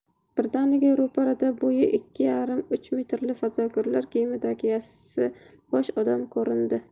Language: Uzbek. birdaniga ro'parada bo'yi ikki yarim uch metrli fazogirlar kiyimidagi yassibosh odam ko'rindi